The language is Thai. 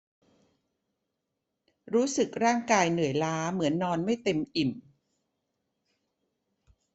รู้สึกร่างกายเหนื่อยล้าเหมือนนอนไม่เต็มอิ่ม